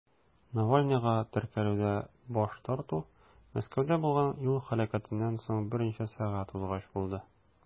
Навальныйга теркәлүдә баш тарту Мәскәүдә булган юл һәлакәтеннән соң берничә сәгать узгач булды.